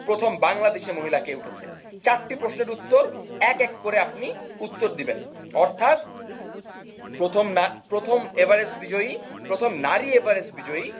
প্রথম বাংলাদেশি মহিলা কে উঠেছে চারটি প্রশ্নের উত্তর এক এক করে আপনি উত্তর দিবেন অর্থাৎ প্রথম এভারেস্ট বিজয়ী প্রথম নারী এভারেস্ট বিজয়ী